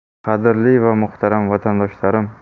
qadrli va muhtaram vatandoshlarim